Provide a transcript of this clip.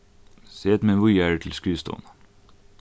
set meg víðari til skrivstovuna